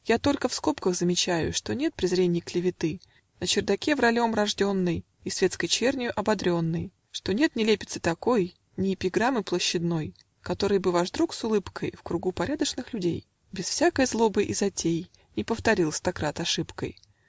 Я только в скобках замечаю, Что нет презренной клеветы, На чердаке вралем рожденной И светской чернью ободренной, Что нет нелепицы такой, Ни эпиграммы площадной, Которой бы ваш друг с улыбкой, В кругу порядочных людей, Без всякой злобы и затей, Не повторил стократ ошибкой